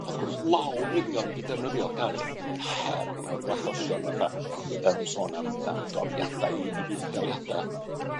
On' wrth gwrs, lol wirion 'di defnyddio'r gair, her mewn ryw achosion, fatha yym sôn am am doriadau i i fudd daliada